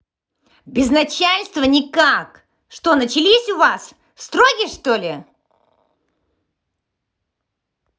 без начальства никак что начались у вас строгий что ли